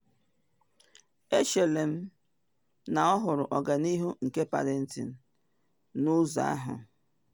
Echere m na ọ hụrụ ọganihu nke Paddington n’ụzọ ahụ.